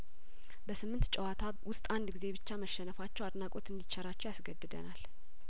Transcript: በስምንት ጨዋታ ውስጥ አንድ ጊዜ ብቻ መሸነፋቸው አድናቆት እንዲ ቸራቸው ያስገድደናል